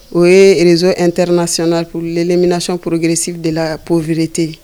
O ye rezson internasiyna ppurllenminsipureirisi de la popiverete